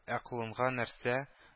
Ә колынга нәрсә